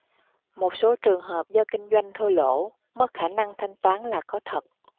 một số trường hợp do kinh doanh thua lỗ mất khả năng thanh toán là có thật